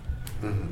Un